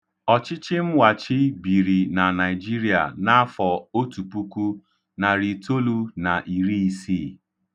Ọchịchịmwachi biri, na Naịjiria, n'afọ 1960.